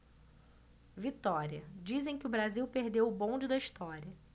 vitória dizem que o brasil perdeu o bonde da história